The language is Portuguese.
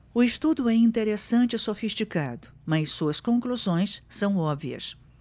o estudo é interessante e sofisticado mas suas conclusões são óbvias